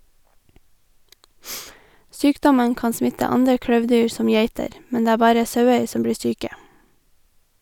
Sykdommen kan smitte andre klauvdyr som geiter, men det er bare sauer som blir syke.